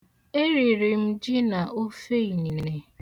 Eriri m ji na ofe inine.